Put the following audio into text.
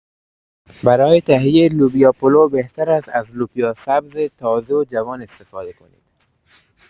برای تهیه لوبیا پلو بهتر است از لوبیا سبز تازه و جوان استفاده کنید.